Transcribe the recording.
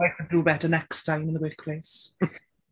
I can do better next time in the workplace.